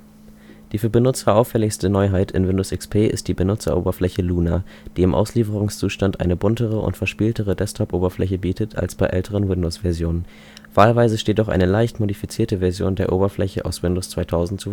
für Benutzer auffälligste Neuheit in Windows XP ist die Benutzeroberfläche „ Luna “, die im Auslieferungszustand eine buntere und verspieltere Desktop-Oberfläche bietet als bei älteren Windowsversionen; wahlweise steht auch eine leicht modifizierte Version der Oberfläche aus Windows 2000